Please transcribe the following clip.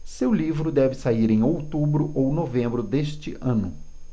seu livro deve sair em outubro ou novembro deste ano